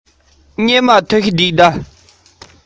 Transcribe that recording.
བ སྤུ དང ཤ རུས བརྒྱུད དེ སེམས སུ ཟུག